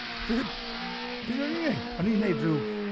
Be- beth o'n i'n wneud? O'n i'n wneud rhyw...